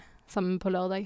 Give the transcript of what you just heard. Samme på lørdag.